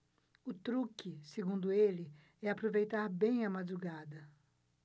o truque segundo ele é aproveitar bem a madrugada